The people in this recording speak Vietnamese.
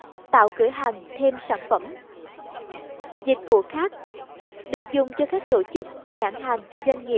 tạo của hàng thêm sản phẩm dịch vụ khác được dùng cho các tổ chức nhãn hàng doanh nghiệp